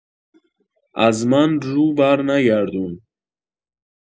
از من رو برنگردون